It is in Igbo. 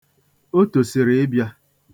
O tosiri ịbịa.